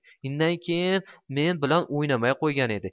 innaykeyin men bilan o'ynamay qo'ygan edi